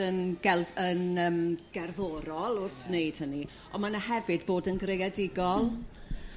yn gel- yn yrm gerddorol wrth wneud hynny ond ma' 'na hefyd bod yn greadigol